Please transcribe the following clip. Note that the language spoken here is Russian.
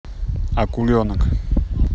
акуленок